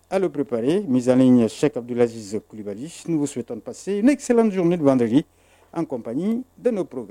Hali pereperere misan ɲɛ sɛ kabulasizelibali sunu so 1on papse ne selenlan ne anteri an kɔnp den'o pur